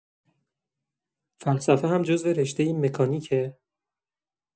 فلسفه هم جزو رشته مکانیکه؟